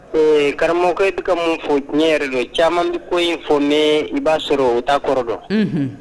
Ee karamɔgɔkɛ taga fɔ diɲɛ yɛrɛ don caman bɛ ko in fɔ ne i b'a sɔrɔ o' kɔrɔ dɔn